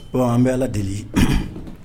Bon an bɛ Ala deli